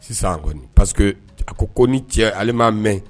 Sisan ko a ko ko ni cɛ hali m'a mɛn